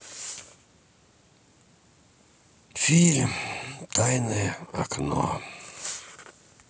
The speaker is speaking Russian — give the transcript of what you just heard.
фильм тайное окно